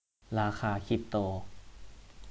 ราคาคริปโต